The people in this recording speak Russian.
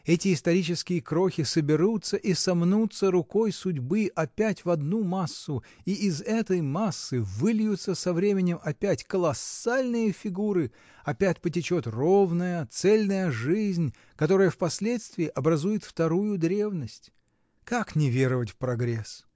Эти исторические крохи соберутся и сомнутся рукой судьбы опять в одну массу, и из этой массы выльются со временем опять колоссальные фигуры, опять потечет ровная, цельная жизнь, которая впоследствии образует вторую древность. Как не веровать в прогресс!